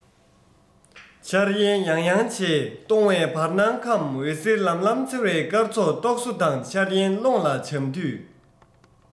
འཆར ཡན ཡང ཡང བྱས སྟོང བའི བར སྣང ཁམས འོད ཟེར ལམ ལམ འཚེར བའི སྐར ཚོགས རྟོག བཟོ དང འཆར ཡན ཀློང ལ འབྱམས དུས